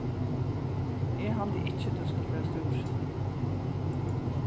eg haldi ikki tú skalt vera stúrin